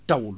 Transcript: tawul